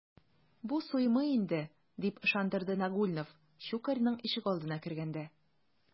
Бу суймый инде, - дип ышандырды Нагульнов Щукарьның ишегалдына кергәндә.